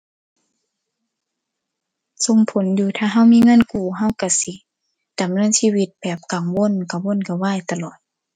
ส่งผลอยู่ ถ้าเรามีเงินกู้เราเราสิดำเนินชีวิตแบบกังวล กระวนกระวายตลอด